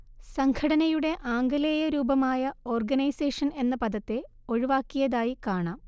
സംഘടനയുടെ ആംഗലേയ രൂപമായ ഓർഗനൈസേഷൻ എന്ന പദത്തെ ഒഴിവാക്കിയതായി കാണാം